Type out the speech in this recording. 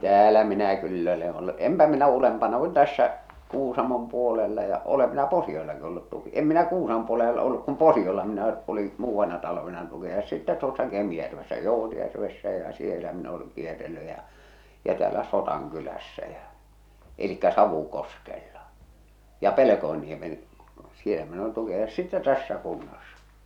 täällä minä kyllä olen ollut enpä minä ylempänä kuin tässä Kuusamon puolella ja olen minä Posiollakin ollut - en minä Kuusamon puolella ole ollut kun Posiolla minä olin muutamana talvena tukinajossa sitten tuossa Kemijärvessä Joutjärvessä ja siellä minä olen kierrellyt ja ja täällä Sodankylässä ja eli Savukoskella ja Pelkosenniemen siellä minä olin tukinajossa sitten tässä kunnassa